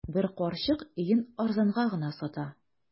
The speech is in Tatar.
Бер карчык өен арзанга гына сата.